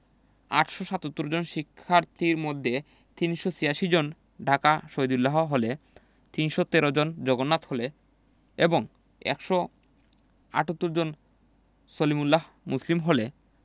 ৮৭৭ জন শিক্ষার্থীর মধ্যে ৩৮৬ জন ঢাকা শহীদুল্লাহ হলে ৩১৩ জন জগন্নাথ হলে এবং ১৭৮ জন সলিমুল্লাহ মুসলিম হলে